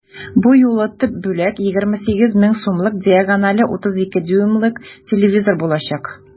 Бу юлы төп бүләк 28 мең сумлык диагонале 32 дюймлык телевизор булачак.